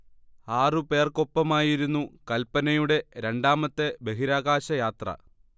ആറു പേർക്കൊപ്പമായിരുന്നു കൽപനയുടെ രണ്ടാമത്തെ ബഹിരാകാശ യാത്ര